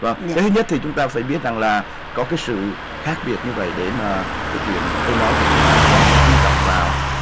vầng cái thứ nhất thì chúng ta phải biết rằng là có sự khác biệt như vậy để mà kể chuyện câu nói của chúng ta hôm nay nó chú trọng vào